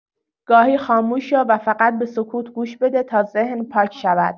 گاهی خاموش شو و فقط به سکوت گوش بده تا ذهن پاک شود.